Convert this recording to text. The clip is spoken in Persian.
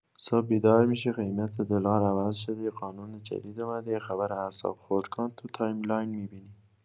صبح بیدار می‌شی، قیمت دلار عوض شده، یه قانون جدید اومده، یه خبر اعصاب‌خردکن تو تایم‌لاین می‌بینی.